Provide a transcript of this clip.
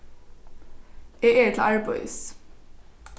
eg eri til arbeiðis